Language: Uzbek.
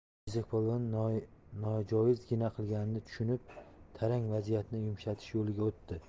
kesakpolvon nojoiz gina qilganini tushunib tarang vaziyatni yumshatish yo'liga o'tdi